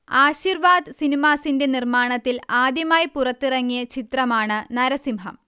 ആശീർവാദ് സിനിമാസിന്റെ നിർമ്മാണത്തിൽ ആദ്യമായി പുറത്തിറങ്ങിയ ചിത്രമാണ് നരസിംഹം